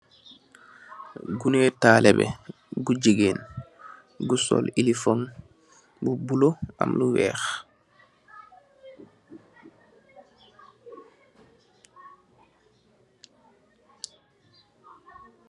Gunee Taalube, bu jegeen, bu sol ilifom bulo ak lu weex.